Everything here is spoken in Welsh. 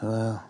Go lew.